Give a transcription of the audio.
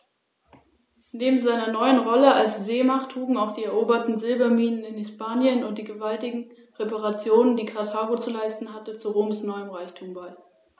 Der Sieg über Karthago im 1. und 2. Punischen Krieg sicherte Roms Vormachtstellung im westlichen Mittelmeer.